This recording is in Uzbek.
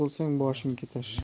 bo'lsang boshing ketar